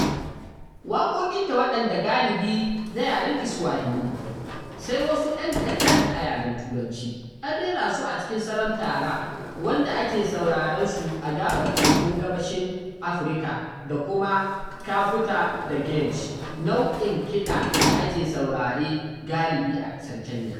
Waƙoƙinta waɗanda galibi na yaren Kiswahili ne, sai wasu 'yan kaɗan a yaren Turanci, an rera su a cikin salon Taarab, wanda ake sauraron su a Gaɓar Tekun Gabashin Afirka da kuma Kapuka da Genge, nau'in kiɗa da ake saurare galibi a ƙasar Kenya.